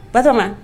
Baɔgɔma